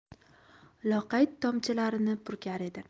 loqayd tomchilarini purkar edi